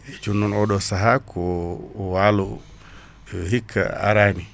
eyyi jooni non oɗo saaha ko waalo hikka arani